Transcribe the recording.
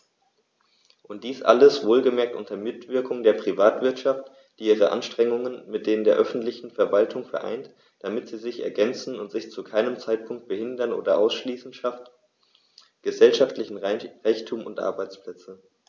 Und dies alles - wohlgemerkt unter Mitwirkung der Privatwirtschaft, die ihre Anstrengungen mit denen der öffentlichen Verwaltungen vereint, damit sie sich ergänzen und sich zu keinem Zeitpunkt behindern oder ausschließen schafft gesellschaftlichen Reichtum und Arbeitsplätze.